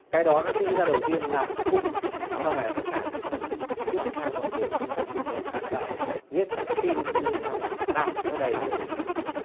cái đó nó đi ra đầu tiên làm một cái khung sau này là tất cả những cái phần tiếp theo bọn bổ sung các bình luận các bài viết các cái tin đưa theo là nạp cho nó đầy các ổ cứng